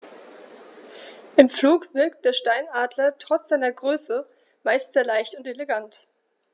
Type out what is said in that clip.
Im Flug wirkt der Steinadler trotz seiner Größe meist sehr leicht und elegant.